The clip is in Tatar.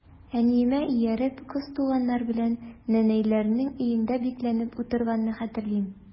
Әниемә ияреп, кыз туганнар белән нәнәйләрнең өендә бикләнеп утырганны хәтерлим.